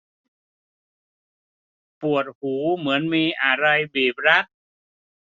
ปวดหูเหมือนมีอะไรบีบรัด